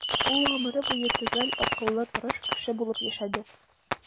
Ул гомере буе төгәл, акыллы, тырыш кеше булып яшәде.